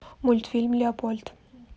мультфильм леопольд